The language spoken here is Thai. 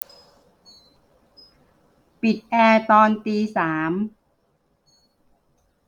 ปิดแอร์ตอนตีสาม